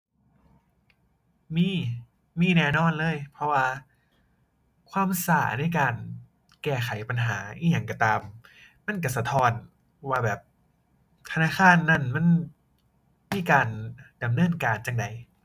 มี มีแน่นอนเลย เพราะว่าความช้าในการแก้ไขปัญหาอิหยังช้าตาม มันช้าสะท้อนว่าแบบ ธนาคารนั้นมันมีการดำเนินการจั่งใด